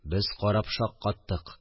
– без карап шаккаттык